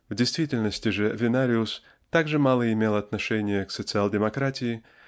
В действительности же Авенариус так же мало имел отношения к социал-демократии